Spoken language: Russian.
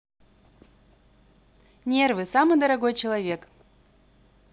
нервы самый дорогой человек